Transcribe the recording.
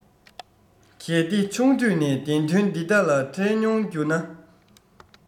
གལ ཏེ ཆུང དུས ནས བདེན དོན འདི དག ལ འཕྲད མྱོང རྒྱུ ན